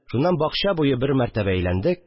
Шуннан бакча буе бер мәртәбә әйләндек